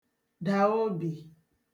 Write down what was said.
dà obì